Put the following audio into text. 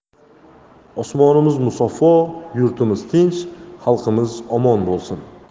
osmonimiz musaffo yurtimiz tinch xalqimiz omon bo'lsin